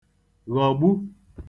ghọ̀gbu